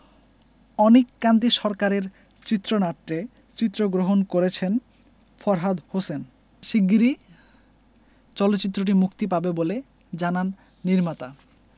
অনিক কান্তি সরকারের চিত্রনাট্যে চিত্রগ্রহণ করেছেন ফরহাদ হোসেন শিগরি চলচ্চিত্রটি মুক্তি পাবে বলে জানান নির্মাতা